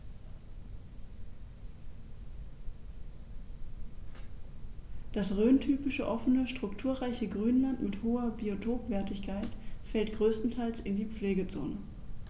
Das rhöntypische offene, strukturreiche Grünland mit hoher Biotopwertigkeit fällt größtenteils in die Pflegezone.